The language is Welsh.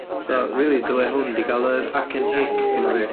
So rili dylia hwn 'di ga'l yr acen hic gynno fi.